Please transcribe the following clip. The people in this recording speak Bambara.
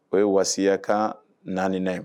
O ye waya kan naani na